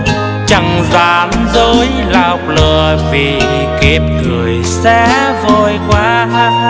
chẳng gian dối lọc lừa vì kiếp người sẽ vội qua